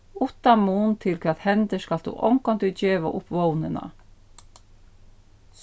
uttan mun til hvat hendir skalt tú ongantíð geva upp vónina